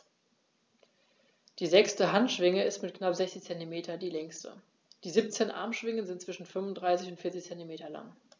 Die sechste Handschwinge ist mit knapp 60 cm die längste. Die 17 Armschwingen sind zwischen 35 und 40 cm lang.